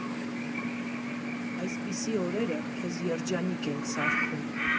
Այսպիսի օրերը քեզ երջանիկ ենք սարքում։